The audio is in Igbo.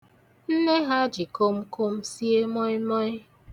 Nne ha ji komkom sie mọị mọị.